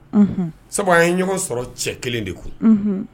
Sabu ye ɲɔgɔn sɔrɔ cɛ kelen de kun